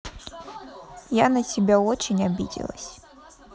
я на тебе очень обиделась